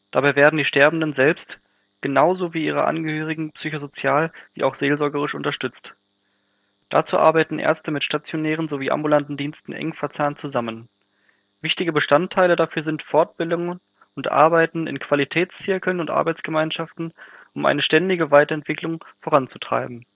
Dabei werden die Sterbenden selbst genau so wie ihre Angehörigen psychosozial wie auch seelsorgerisch unterstützt. Dazu arbeiten Ärzte mit stationären sowie ambulanten Diensten eng verzahnt zusammen. Wichtige Bestandteile dafür sind Fortbildungen und Arbeiten in Qualitätszirkeln und Arbeitsgemeinschaften, um eine ständige Weiterentwicklung voranzutreiben